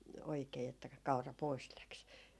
oikein että - kaura pois lähti